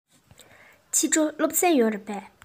ཕྱི དྲོ སློབ ཚན ཡོད རེད པས